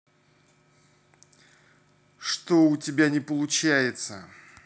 что у тебя не получается